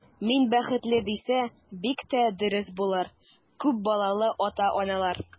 Мин бәхетле, дисә, бик тә дөрес булыр, күп балалы ата-аналар.